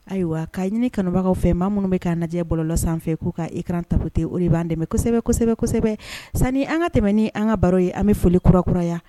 Ayiwa ka ɲini kanubagaw fɛ maa minnu bɛ k'an lajɛ bɔlɔlɔ sanfɛ k'u ka écran tapoter o de b' an dɛmɛ kosɛbɛ kosɛbɛ kosɛbɛ, sani an ka tɛmɛ ni an ka baro ye an bɛ foli kurakuraya